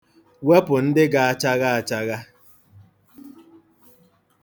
Wepụ ndị ga-achagha achagha.